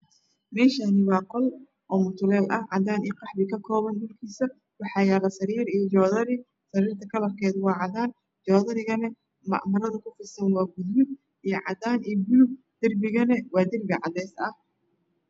Meshani wa qol matuleel aha cadan iyo qaxwi kakoopan waxa yala sariir iyo jodari sariirata karkeeduw aa cadan joodarka goa ku fidsan wa gaduud iyo cadaan paluug darigana wa darpi cadees ah